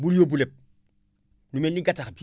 bul yóbbu lépp lu mel ni gattax bi